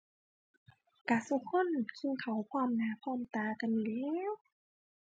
ก็ซุคนกินข้าวพร้อมหน้าพร้อมตากันนี้แหล้ว